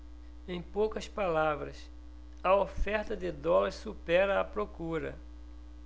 em poucas palavras a oferta de dólares supera a procura